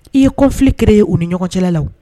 I ye conflit créé u ni ɲɔgɔn cɛla la.